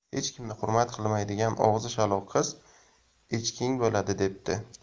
hech kimni hurmat qilmaydigan og'zi shaloq qiz echking bo'ladi debdi